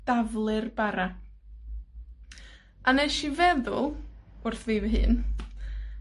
daflu'r bara. A nesh i feddwl wrth fi fy hun,